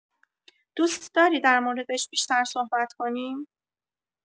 دوست‌داری در موردش بیشتر صحبت کنیم؟